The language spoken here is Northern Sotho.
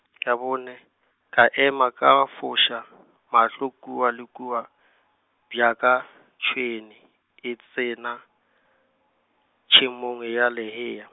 ya bone, ka ema ka foša mahlo kua le kua, bjaka tšhwene, e tsena, tšhemong ya lehea.